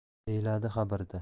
deyiladi xabarda